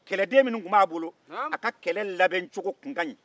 kɛlɛdenminnu tun b'a bolo a ka kɛlɛ lanbɛncogo tun ka ɲi